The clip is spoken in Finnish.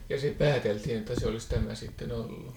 ja se pääteltiin että se olisi tämä sitten ollut